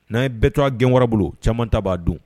N'a ye bɛɛtura gɛn wɛrɛ bolo caman ta b'a don